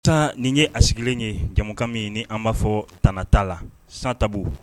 Tan nin ye a sigilen ye jamukan min ni an b'a fɔ tana t'a la sans tabou